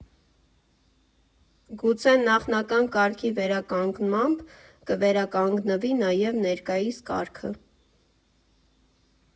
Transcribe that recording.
Գուցե նախնական կարգի վերականգմամբ կվերականգնվի նաև ներկայիս կարգը…